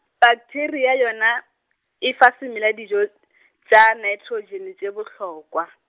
pakteria yona, e fa semela dijo , tša naetrotšene tše bohlokwa.